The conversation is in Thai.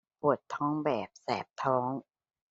ปวดท้องแบบแสบท้อง